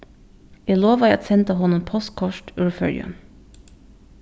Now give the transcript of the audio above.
eg lovaði at senda honum postkort úr føroyum